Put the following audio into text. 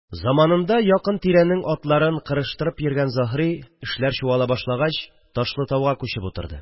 Заманында якын-тирәнең атларын кырыштырып йөргән Заһри, эшләр чуала башлагач, Ташлытауга күчеп утырды